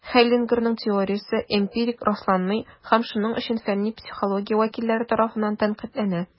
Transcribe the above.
Хеллингерның теориясе эмпирик расланмый, һәм шуның өчен фәнни психология вәкилләре тарафыннан тәнкыйтьләнә.